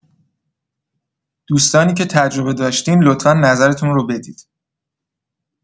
دوستانی که تجربه داشتین لطفا نظرتون رو بدید.